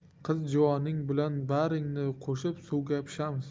qiz juvoning bilan baringni qo'shib suvga pishamiz